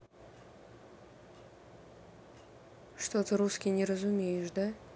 что то русский не разумеешь да